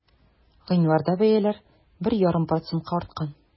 Гыйнварда бәяләр 1,5 процентка арткан.